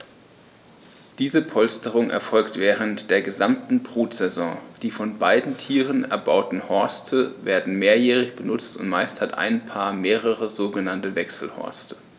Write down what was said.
Diese Polsterung erfolgt während der gesamten Brutsaison. Die von beiden Tieren erbauten Horste werden mehrjährig benutzt, und meist hat ein Paar mehrere sogenannte Wechselhorste.